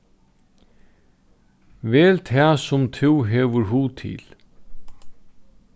vel tað sum tú hevur hug til